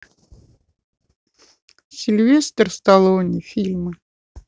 сильвестр сталлоне фильмы